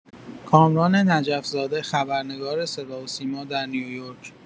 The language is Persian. کامران نجف زاده، خبرنگار صداوسیما در نیویورک